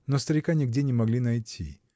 но старика нигде не могли найти.